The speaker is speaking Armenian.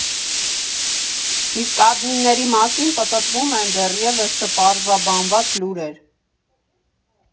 Իսկ ադմինների մասին պտտվում են դեռևս չպարզաբանված լուրեր։